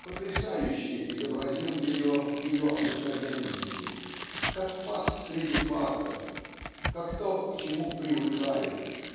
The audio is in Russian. потрясающе изобразил ее в ее обыкновенности как факт среди фактов как то к чему привыкают